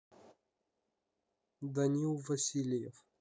данил васильев